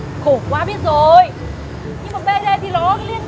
khổ quá biết rồi nhưng mà bê đê thì nó liên